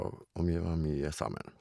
og Og vi var mye sammen.